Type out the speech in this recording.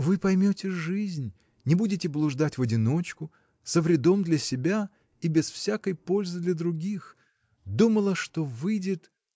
вы поймете жизнь, не будете блуждать в одиночку, со вредом для себя и без всякой пользы для других. думала, что выйдет.